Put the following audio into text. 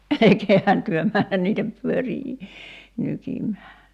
älkäähän te mene niitä pyöriä nykimään